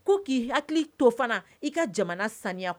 Ko k'i hakili to fana i ka jamana saniya